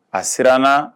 A siranna